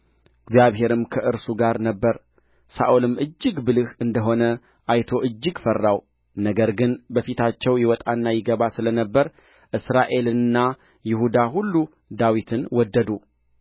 እግዚአብሔርም ከእርሱ ጋር ነበረ ሳኦልም እጅግ ብልህ እንደ ሆነ አይቶ እጅግ ፈራው ነገር ግን በፊታቸው ይወጣና ይገባ ስለ ነበረ እስራኤልና ይሁዳ ሁሉ ዳዊትን ወደዱ